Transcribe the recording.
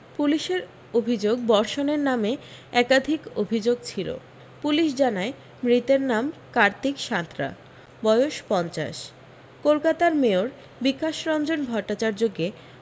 পুলিশের অভি্যোগ বর্ষণের নামে একাধিক অভি্যোগ ছিল পুলিশ জানায় মৃতের নাম কার্তিক সাঁতরা বয়স পঞ্চাশ কলকাতার মেয়র বিকাশরঞ্জন ভট্টাচার্যকে